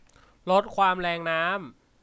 ลดความแรงน้ำ